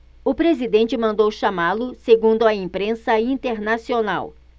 o presidente mandou chamá-lo segundo a imprensa internacional